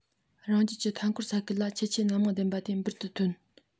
རང རྒྱལ གྱི མཐའ སྐོར ས ཁུལ ལ ཁྱད ཆོས སྣ མང ལྡན པ དེ འབུར དུ ཐོན